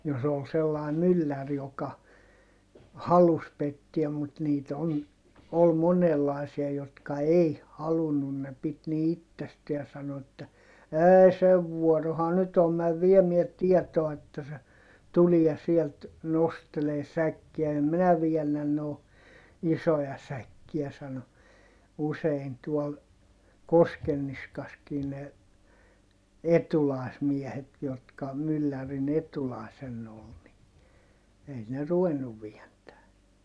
jos oli sellainen mylläri joka halusi pettää mutta niitä - oli monenlaisia jotka ei halunnut ne piti niin itsestään sanoi että ei sen vuorohan nyt on mene viemään tietoa että se tulee sieltä nostelemaan säkkiä en minä väännä noin isoja säkkiä sanoi usein tuolla Koskenniskassakin ne etulaismiehet jotka myllärin etulaisena oli niin ei ne ruvennut vääntämään